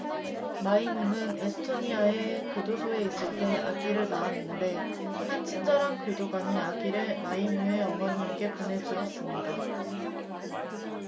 마이무는 에스토니아의 교도소에 있을 때 아기를 낳았는데 한 친절한 교도관이 아기를 마이무의 어머니에게 보내 주었습니다